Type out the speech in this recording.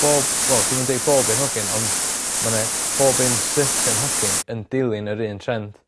bob wel dwi'm yn deud bob un hogyn on' ma' 'na bob un certain hogyn yn dilyn yr un trend.